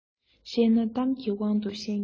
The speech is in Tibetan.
བཤད ན གཏམ གྱི དབང དུ བཤད མཁན ཚུད